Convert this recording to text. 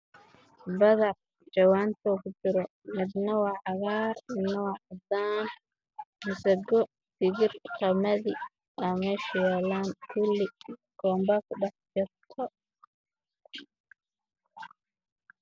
Mise wax yaalo raashin badan oo la kala cabbiray oo jawaano ku jiro oo midoobo kala duwan leh in dhowr jawaabi ku jiraan